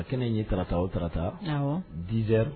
A kɛnɛ in ye tata o tata diz